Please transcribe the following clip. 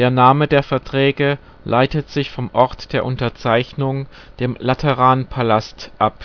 Name der Verträge leitet sich vom Ort der Unterzeichnung, dem Lateranpalast, ab